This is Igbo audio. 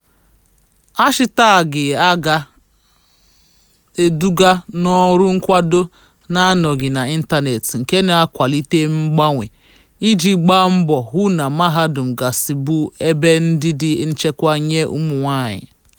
Hashịtaagị a aga eduga n'ọrụ nkwado na-anọghị n'ịntaneetị nke na-akwalite mgbanwe iji gbaa mbọ hụ na mahadum gasị bụ ebe ndị dị nchekwa nye ụmụ nwaanyị?